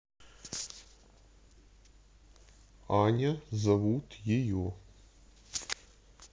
аня зовут ее